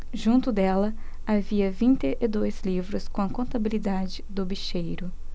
junto dela havia vinte e dois livros com a contabilidade do bicheiro